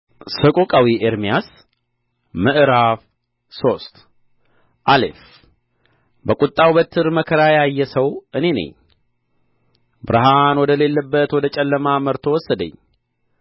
ሰቆቃዊ ኤርምያስ ምዕራፍ ሶስት አሌፍ በቍጣው በትር መከራ ያየ ሰው እኔ ነኝ ብርሃን ወደ ሌለበት ወደ ጨለማ መርቶ ወሰደኝ